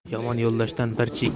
yomon yo'ldoshdan bir